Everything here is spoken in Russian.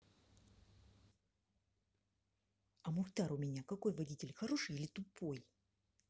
а мухтар у меня какой водитель хороший или тупой